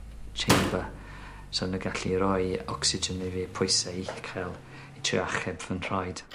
...chamber. So o'n nw gallu roi ocsigen i fi pwyse uchel i trio achub fy nhraed.